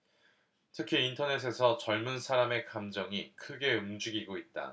특히 인터넷에서 젊은 사람의 감정이 크게 움직이고 있다